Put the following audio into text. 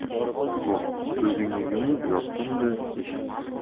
xo'p ko'zingni yumib yotgin da eshit